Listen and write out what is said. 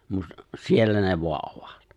mutta siellä ne vain ovat